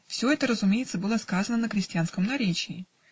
Все это, разумеется, было сказано на крестьянском наречии